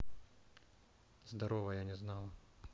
здорово я не знала